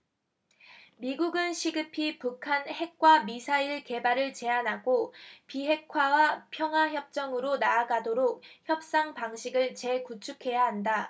미국은 시급히 북한 핵과 미사일 개발을 제한하고 비핵화와 평화협정으로 나아가도록 협상 방식을 재구축해야 한다